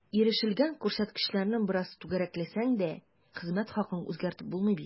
Ирешелгән күрсәткечләрне бераз “түгәрәкләсәң” дә, хезмәт хакын үзгәртеп булмый бит.